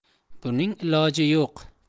buning iloji yo'q